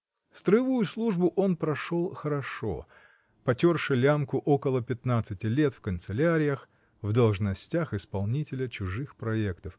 Строевую службу он прошел хорошо, протерши лямку около пятнадцати лет в канцеляриях, в должностях исполнителя чужих проектов.